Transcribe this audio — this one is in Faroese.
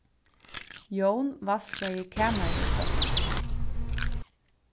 jón vaskaði kamarið hjá sær